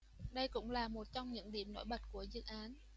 đây cũng là một trong những điểm nổi bật của dự án